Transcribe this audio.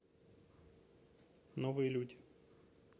новые люди